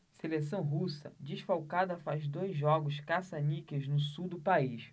seleção russa desfalcada faz dois jogos caça-níqueis no sul do país